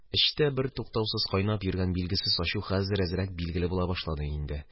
Эчтә бертуктаусыз кайнап йөргән билгесез ачу хәзер әзрәк билгеле була башлады инде.